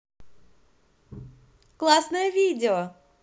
классное видео